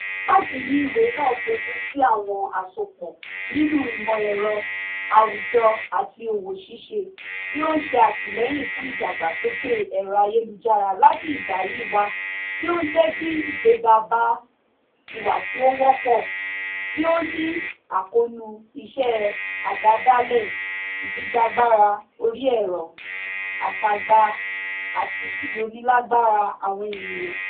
Apá Kínní ìwé náà fojú sí àwọn àsopọ̀ nínú ìmọ̀ ẹ̀rọ, àwùjọ àti òwò ṣíṣe tí ó ń ṣe àtìlẹ́yìn fún ìdàgbàsókè ẹ̀rọ ayélujára láti ìgbà yìí wá, tí ó ń jẹ́ kí ìgbéga bá "ìwà tí ó wọ́pọ̀" tí ó ní àkóónú ìṣe àdádáàlẹ̀, ìjìjàgbara orí ẹ̀rọ àtagba àti ìrónilágbara àwọn ènìyàn.